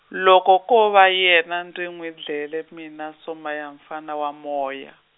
loko ko va yena ndzi n'wi dlele mina Somaya mfana wa moya.